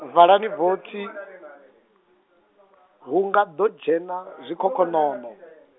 vhalani vothi , hu ngado dzhena zwikhokhonono.